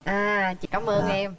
a chị cảm ơn em